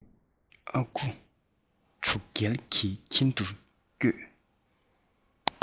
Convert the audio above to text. ཨ ཁུ འབྲུག རྒྱལ གྱི ཁྱིམ དུ བསྐྱོད